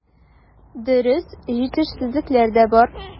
Дөрес, җитешсезлекләр дә бар.